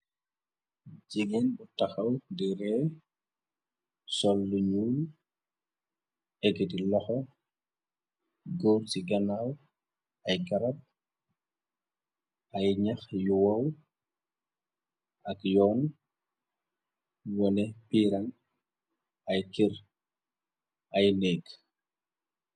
Jigéen bu taxaw di reey, sol lu ñuul, ekiti loxo góor ci ganaaw, ay garab, ay ñax, yu woow ak yoon wone piirang, ay kër ay neek.